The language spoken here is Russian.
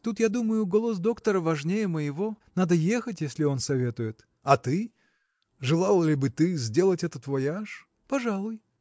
Тут, я думаю, голос доктора важнее моего. Надо ехать, если он советует. – А ты? Желала ли бы ты сделать этот вояж? – Пожалуй.